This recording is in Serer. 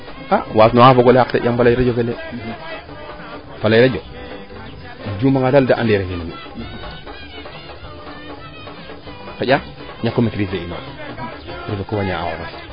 a waas nuwa o fogole xaq de yaam faley radio fe lee faley radio im juuma nga daal de ande na mi yo xaƴa ñako maitriser ino so ssogo waña a xooxes